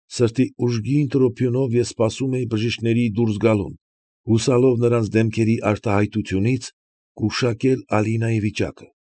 Սրտի ուժգին տրոփյունով էի սպասում բժիշկների դուրս գալուն, հուսալով նրանց դեմքերի արտահայտությունից գուշակել Ալինայի վիճակը։